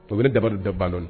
To dabari dɔ ban